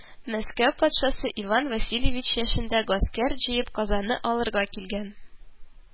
Мәскәү патшасы Иван Васильевич яшендә гаскәр җыеп Казанны алырга килгән